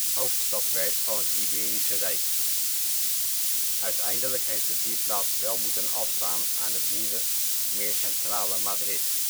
hoofdstad werd van het Iberische rijk. Uiteindelijk heeft het die plaats wel moeten afstaan aan het nieuwe, meer centrale Madrid